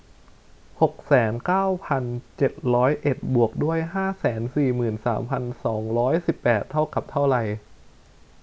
หกแสนเก้าพันเจ็ดร้อยเอ็ดบวกด้วยห้าแสนสี่หมื่นสามพันสองร้อยสิบแปดเท่ากับเท่าไร